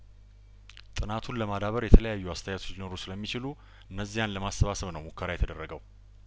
ጥናቱን ለማዳበር የተለያዩ አስተያየቶች ሊኖሩ ስለሚችሉ እነዚያን ለማሰባሰብ ነው ሙከራ የተደረገው